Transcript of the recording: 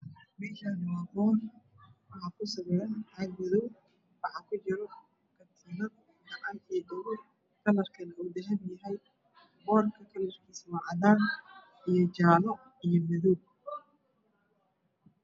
Meeshaan waa boor waxaa kusawiran caag madow waxaa kujira katiinad iyo gacan kalarkeedu uu dahabi yahay. Boorka kalarkiisu cadaan iyo jaalo iyo madow.